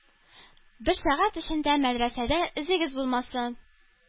Бер сәгать эчендә мәдрәсәдә эзегез булмасын!